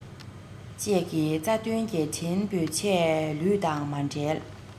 བཅས ཀྱི རྩ དོན གལ ཆེན བོད ཆས ལུས དང མ བྲལ